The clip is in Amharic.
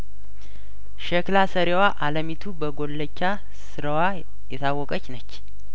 ሸክላ ሰሪዋ አለሚቱ በጉልቻ ስራዋ የታወቀች ነች